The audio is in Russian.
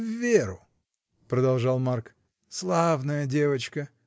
— В Веру, — продолжал Марк, — славная девочка.